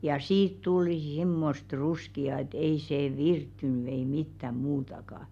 ja siitä tuli semmoista ruskeaa että ei se virttynyt ei mitään muutakaan